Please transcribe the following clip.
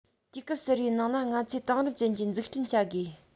དུས སྐབས གསར པའི ནང ལ ང ཚོས དེང རབས ཅན གྱི འཛུགས སྐྲུན བྱ དགོས